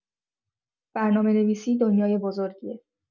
برنامه‌نویسی دنیای بزرگیه؛